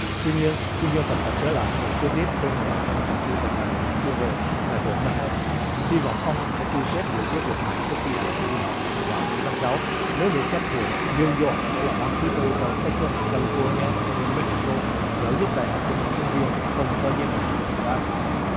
tuy nhiên sinh viên tập hợp trở lại ngày kế tiếp bên ngoài văn phòng chủ tịch hạ viện si vơ tại quận ma hét từn hy vọng ông sẽ thu xếp biểu quyết luật này trước khi hạ viện đương học vào cuối tháng sáu nếu được chấp thuận niu doóc sẽ là bang thứ tư sau tếch xát ca li phoóc ni a và niu mếch xi cô trợ giúp đại học cho những sinh viên không có giấy tờ hợp pháp